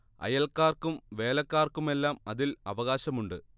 അയൽക്കാർക്കും വേലക്കാർക്കുമെല്ലാം അതിൽ അവകാശമുണ്ട്